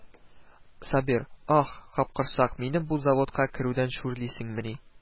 Сабир: «Ах, капкорсак, минем бу заводка керүдән шүрлисеңмени